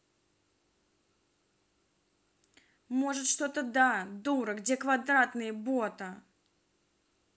может что то да дура где квадратные бота